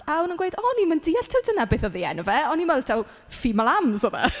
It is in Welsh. A o'n nhw'n gweud "o, o'n i'm yn deall taw dyna beth oedd ei enw fe, o'n i'n meddwl taw 'Ffimalams' oedd e."